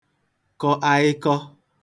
kọ aịkọ